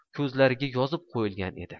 ko'zlariga yozib qo'yilgan edi